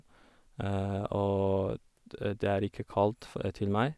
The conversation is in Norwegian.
Og de det er ikke kaldt fo til meg.